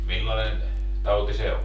millainen tauti se oli